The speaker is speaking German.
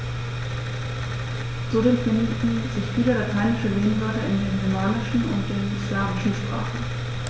Zudem finden sich viele lateinische Lehnwörter in den germanischen und den slawischen Sprachen.